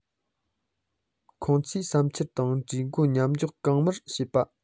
ཁོང ཚོའི བསམ འཆར དང གྲོས འགོ ཉན འཇོག གང མང བྱེད པ